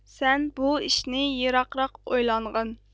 سەن بۇ ئىشنى ياخشىراق ئويلانغىن